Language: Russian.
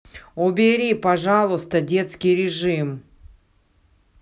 убери пожалуйста детский режим